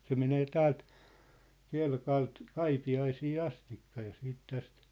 se menee täältä Kelkalta Kaipiaisiin asti ja sitten tästä